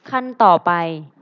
ขั้นต่อไป